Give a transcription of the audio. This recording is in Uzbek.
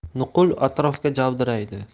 nuqul atrofga javdiraydi